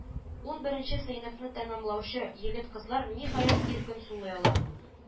Унберенче сыйныфны тәмамлаучы егет-кызлар, ниһаять, иркен сулый ала